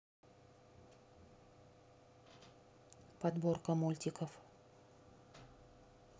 подборка мультиков